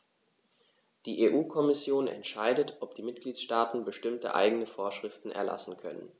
Die EU-Kommission entscheidet, ob die Mitgliedstaaten bestimmte eigene Vorschriften erlassen können.